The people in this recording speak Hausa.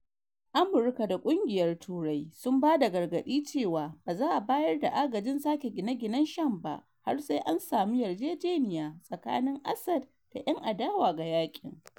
Amurka da Kungiyar Turai sun ba da gargadi cewa ba za’a bayar da agajin sake gine-ginen Sham ba har sai an samu yarjejeniya tsakanin Assad da ‘yan adawa ga yakin.